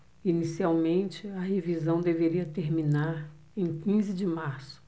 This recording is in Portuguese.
inicialmente a revisão deveria terminar em quinze de março